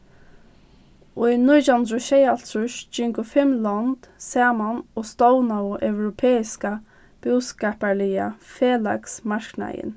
í nítjan hundrað og sjeyoghálvtrýss gingu fimm lond saman og stovnaðu europeiska búskaparliga felagsmarknaðin